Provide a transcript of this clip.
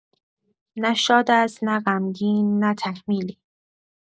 نه شاد است، نه غمگین، نه تحمیلی.